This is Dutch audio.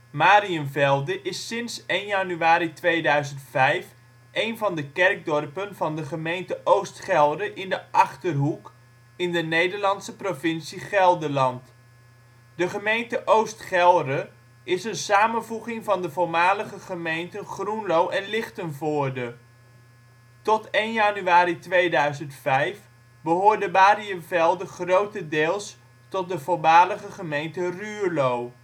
Mariënvelde is sinds 1 januari 2005 één van de kerkdorpen van de gemeente Oost Gelre in de Achterhoek, in de Nederlandse provincie Gelderland. (De gemeente Oost Gelre is een samenvoeging van de voormalige gemeenten Groenlo en Lichtenvoorde.) Tot 1 januari 2005 behoorde Mariënvelde grotendeels tot de voormalige gemeente Ruurlo